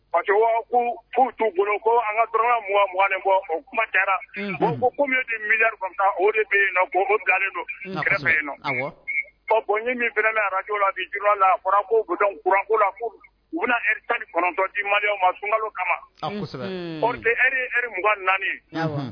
Pa k'u tuu golo ko an ka dɔrɔnugan o kuma kɛra ko di mi o de bɛ yen dilalen don yen bɔn bɔn min bɛnana araj la bi la fɔra kouranko la u bɛna tan ni kɔnɔntɔn di makalo kama pte eri mugan naani